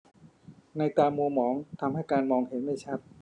นัยน์ตามัวหมองทำให้การมองเห็นไม่ชัด